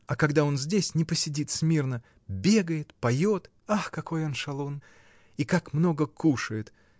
А когда он здесь — не посидит смирно: бегает, поет. Ах, какой он шалун! И как много кушает!